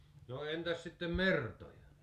no entäs sitten mertoja